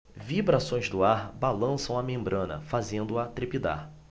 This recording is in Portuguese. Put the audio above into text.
vibrações do ar balançam a membrana fazendo-a trepidar